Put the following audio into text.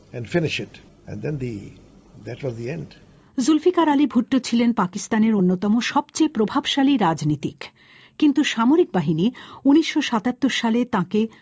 and finish it then the that was the end Zulfikar Ali Bhutto ছিলেন পাকিস্তানের অন্যতম সবচেয়ে প্রভাবশালী রাজনীতিক কিন্তু সামরিক বাহিনী ১৯৭৭ সালে তাকে